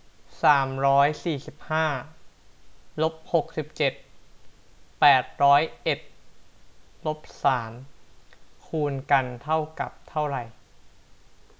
สามร้อยสี่สิบห้าลบหกสิบเจ็ดแปดร้อยเอ็ดลบสามคูณกันเท่ากับเท่าไหร่